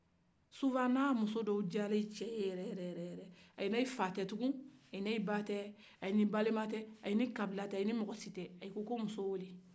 waati donwula ni a muso dɔw diyara cɛ ye yɛrɛyɛrɛ a ni fa tɛ tuku a ni ba tɛ a ni balema tɛ a ni kabila tɛ a ni mɔgɔsi tɛ a ko muso in de